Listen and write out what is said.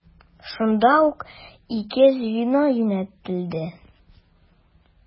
Шунда ук ике звено юнәтелде.